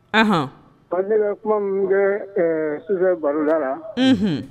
Pa ne kuma min bɛ baroda la